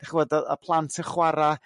d'ch'mod y y plant yn chwara'